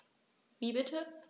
Wie bitte?